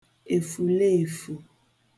èfùleèfù